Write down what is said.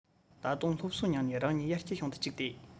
ད དུང སློབ གསོ མྱངས ནས རང ཉིད ཡར སྐྱེད བྱུང དུ བཅུག སྟེ